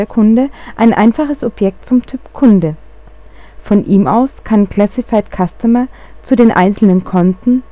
Kunde “ein einfaches Objekt vom Typ „ Kunde “. Von ihm aus kann ClassifiedCustomer zu den einzelnen Konten